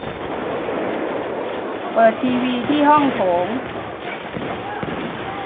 เปิดทีวีที่ห้องโถง